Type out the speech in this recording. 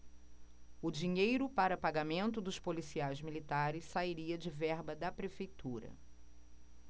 o dinheiro para pagamento dos policiais militares sairia de verba da prefeitura